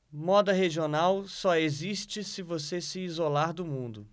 moda regional só existe se você se isolar do mundo